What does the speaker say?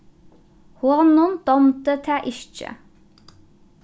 honum dámdi tað ikki